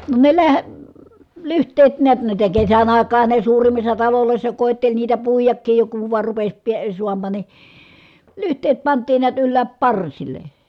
no ne - lyhteet näet niitä kesän aikaanhan ne suurimmissa taloissa koetteli niitä puidakin jo kun vain rupesi pian saamaan niin lyhteet pantiin näet ylös parsille